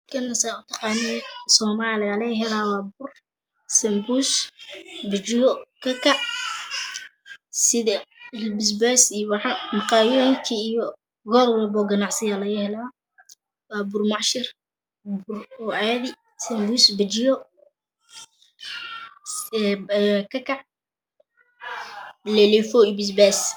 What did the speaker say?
Kan saa u taqaani somali laga helaa waa bur sanbuus bajiyo kakac sida basbaaska wax maqaayadooyinka iyo goob waliba oo ganacsi ah laga helaa waa bumac shir oo caadi sanbuus bajiyo kakac lelefow iyo basbaas